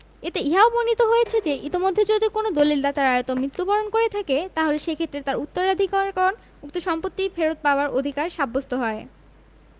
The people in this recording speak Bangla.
এতে ইহাও বর্ণিত হয়েছে যে ইতমধ্যে যদি কোন দলিলদাতা রায়ত মৃত্যুবরণ করে থাকে তাহলে সেক্ষেত্রে তার উত্তরাধিকারীগণ উক্ত সম্পত্তিটি ফেরত পাবার অধিকারী সাব্যস্ত হয়